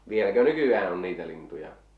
vieläkö nykyään on niitä lintuja